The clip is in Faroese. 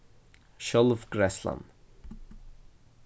sjálvgreiðslan